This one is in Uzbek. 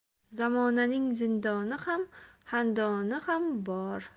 zamonaning zindoni ham xandoni ham bor